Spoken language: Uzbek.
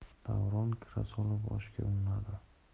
davron kira solib oshga unnadi